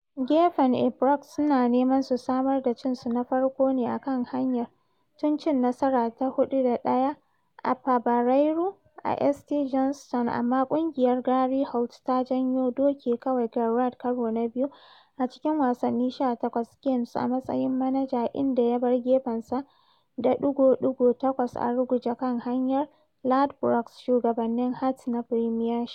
Gefen Ibrox suna neman su samar da cinsu na farko ne a kan hanyar tun cin nasara ta 4 da 1 a Fabarairu a St Johnstone, amma ƙungiyar Gary Holt ta janyo doke kawai Gerrard karo na biyu a cikin wasanni 18 games a matsayin manaja inda ya bar gefensa da ɗigo-ɗigo takwas a ruguje kan hanyar Ladbrokes shugabannin Hearts na Premiership.